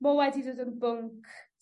mo wedi dod yn bwnc